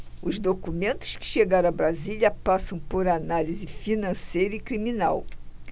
os documentos que chegaram a brasília passam por análise financeira e criminal